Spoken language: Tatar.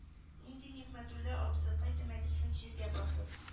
Диде нигъмәтулла абзыкай тәмәкесен җиргә басып